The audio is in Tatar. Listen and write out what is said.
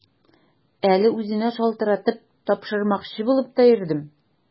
Әле үзенә шалтыратып, тапшырмакчы булып та йөрдем.